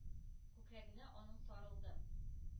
Күкрәгенә аның сарылды.